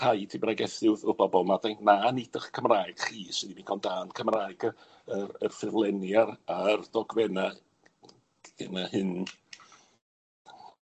rhaid 'i bregethu bobol, ma' di- ma' na nid 'ych Cymraeg chi sydd ddim digon da on' Cymraeg y y y ffurflenni a'r a'r dogfenna hyn a hyn.